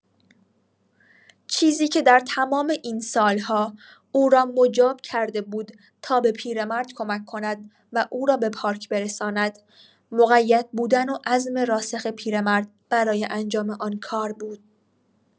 چیزی که در تمام این سال‌ها او را مجاب کرده بود تا به پیرمرد کمک کند و او را به پارک برساند، مقیدبودن و عزم راسخ پیرمرد برای انجام آن کار بود.